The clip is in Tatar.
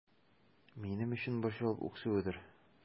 Минем өчен борчылып үксүедер...